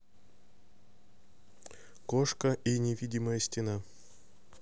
кошка и невидимая стена